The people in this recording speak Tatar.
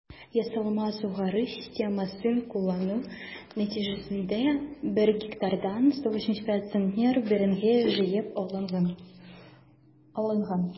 Ясалма сугару системасын куллану нәтиҗәсендә 1 гектардан 185 центнер бәрәңге җыеп алынган.